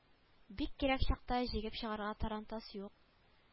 Бик кирәк чакта җигеп чыгарга тарантас юк